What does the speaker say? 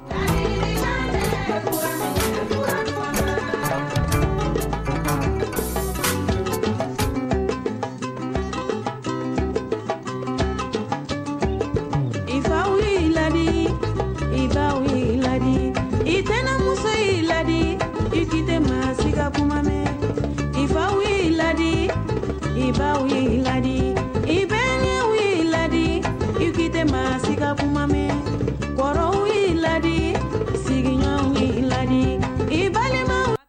Sanr kɔrɔkɔrɔkɔrɔ i fa wuli lali i fa ladi i tɛnamusoi ladi iki tɛ masika kumamɛ i fa wuli ladi i fa la i bɛ wulila la iki te masika kumamɛ kɔrɔi ladi sigi wulilai la i balima